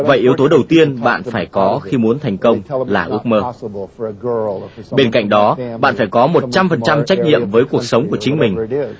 vậy yếu tố đầu tiên bạn phải có khi muốn thành công là ước mơ bên cạnh đó bạn phải có một trăm phần trăm trách nhiệm với cuộc sống của chính mình